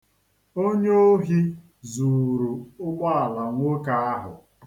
onyoohi zuuru ụgbọala nwoke ahụ.